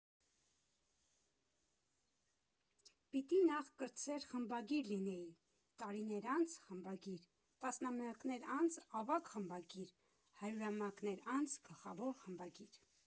Պիտի նախ կրտսեր խմբագիր լինեի, տարիներ անց՝ խմբագիր, տասնամյակներ անց՝ ավագ խմբագիր, հարյուրամյակներ անց՝ գլխավոր խմբագիր։